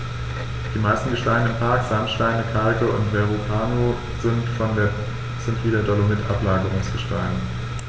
Die meisten Gesteine im Park – Sandsteine, Kalke und Verrucano – sind wie der Dolomit Ablagerungsgesteine.